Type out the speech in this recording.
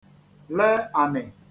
le ànị̀